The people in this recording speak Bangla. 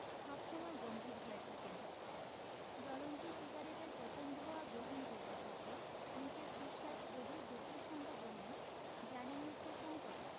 সব সময় গম্ভীর হয়ে থাকেন জলন্ত সিগারেটের প্রথম ধোঁয়া গ্রহন করতে করতে মিসেস বিশ্বাস গভীর দুখের সঙ্গে বললেন জানেন মিষ্টার শংকর